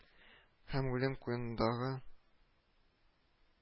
Һәм үлем куенындагы